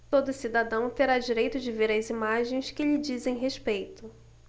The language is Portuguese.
todo cidadão terá direito de ver as imagens que lhe dizem respeito